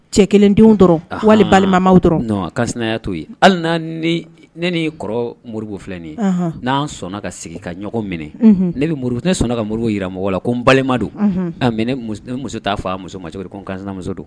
Cɛ kelendenw dɔrɔn wali balimama dɔrɔn kansya to ye hali ne ni kɔrɔ muru filɛ nin n'an sɔnna ka sigi ka ɲɔgɔn minɛ ne bɛ muru ne sɔnna ka muru jira mɔgɔ la ko n balima don mɛ muso t'a fa muso ma cogori ko kanmuso don